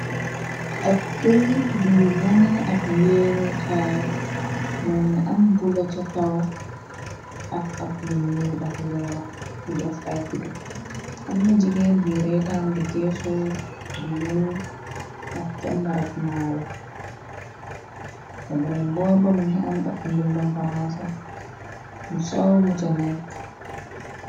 Te ab këyit buy wone ab yeeni kaay mo nga am bula ca kaw ak ab linuw ak weer yu def ay putuk tamn jigeet yuy reetaan di geesoo bu yenu dak ca mbarab maala ba menen boor bamu na am ab ngu ndom faransais nu caw mu ca nekk.